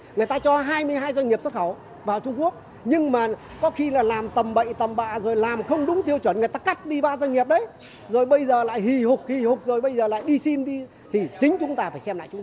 người ta cho hai mươi hai doanh nghiệp xuất khẩu vào trung quốc nhưng mà có khi là làm tầm bậy tầm bạ dồi làm không đúng tiêu chuẩn người ta cắt đi ba doanh nghiệp đấy dồi bây giờ lại hì hục hì hục rồi bây giờ lại đi xin đi thì chính chúng ta phải xem lại chúng